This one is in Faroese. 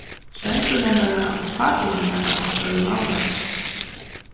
sjeikur hennara og pápi hennara vóru navnar